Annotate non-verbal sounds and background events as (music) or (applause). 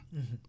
(hesitation) (hesitation)